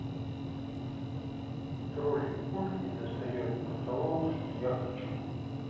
тролли пульт не достает до того что я хочу